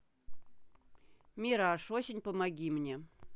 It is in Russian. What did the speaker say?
мираж осень помоги мне